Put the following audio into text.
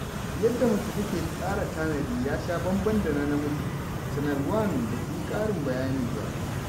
Yadda mace take tsara tanadi ya sha bamban da na namiji, Channel One ba su yi ƙarin bayani ba.